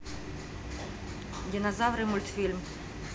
динозавры мультфильм